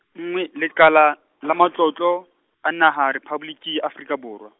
nngwe, Lekala la Matlotlo a naha, Rephaboliki ya Afrika Borwa.